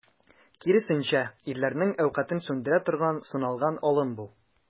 Киресенчә, ирләрнең әүкатен сүндерә торган, сыналган алым бу.